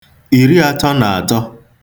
ìriātọ̄ nà àtọ